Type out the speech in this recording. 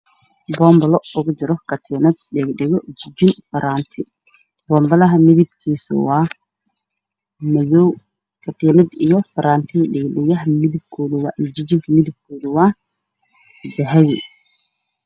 Meeshan waxaa Yaalla boombalo suran dahab midabkiisu uu yahay